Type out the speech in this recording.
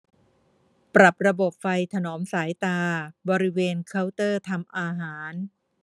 ปรับระบบไฟถนอมสายตาบริเวณเคาน์เตอร์ทำอาหาร